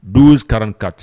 Dokararankanti